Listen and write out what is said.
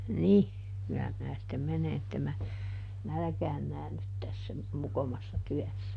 niin kyllä minä sitten menen että en minä nälkään näänny tässä mokomassa työssä